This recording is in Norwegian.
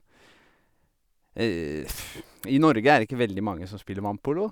I Norge er det ikke veldig mange som spiller vannpolo.